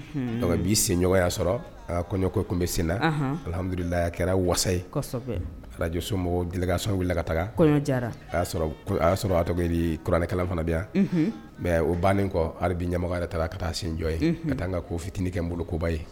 B'i senɲɔgɔnya sɔrɔ kɔɲɔko tun bɛ senna alihamilaya kɛra wasa ye alajsoso wili ka taa kɔɲɔ y y'a sɔrɔt kuranɛkɛla fana bi yan mɛ o bannen kɔ alibi ɲɛ yɛrɛ taara ka taa senjɔ ye ka taa ka ko fitininkɛ n bolo koba ye